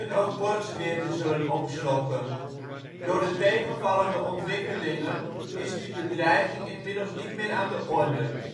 ook Borgsweer te zullen opslokken. Door de tegenvallende ontwikkelingen is die bedreiging inmiddels niet meer aan de orde